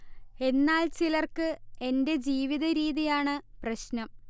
എന്നാൽ ചിലർക്ക് എൻ്റെ ജീവിത രീതിയാണ് പ്രശ്നം